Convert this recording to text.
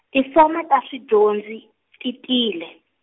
tifomo ta swidyondzi, ti tile.